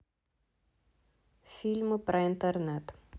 фильмы про интернет